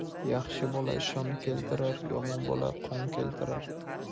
yaxshi bola shon keltirar yomon bola qon keltirar